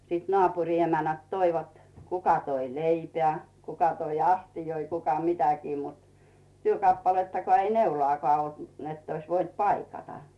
sitten naapurin emännät toivat kuka toi leipää kuka toi astioita kuka mitäkin mutta työkappalettakaan ei neulaakaan ollut niin että olisi voinut paikata